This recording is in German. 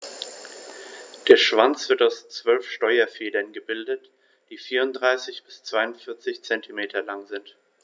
Der Schwanz wird aus 12 Steuerfedern gebildet, die 34 bis 42 cm lang sind.